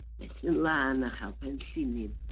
Methu'n lân â chael pen llinyn.